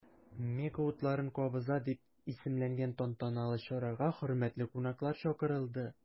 “мега утларын кабыза” дип исемләнгән тантаналы чарага хөрмәтле кунаклар чакырылды.